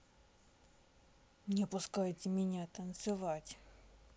не пускайте меня танцевать